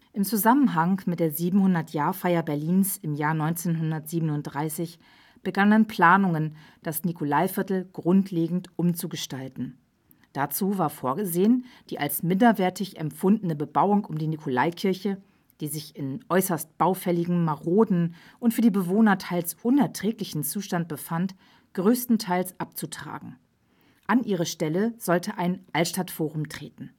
Zusammenhang mit der 700-Jahr-Feier Berlins im Jahr 1937 begannen Planungen, das Nikolaiviertel grundlegend umzugestalten. Dazu war vorgesehen, die als minderwertig empfundene Bebauung um die Nikolaikirche, die sich in äußerst baufälligem, marodem und für die Bewohner teils unerträglichem Zustand befand, größtenteils abzutragen. An ihre Stelle sollte ein Altstadtforum treten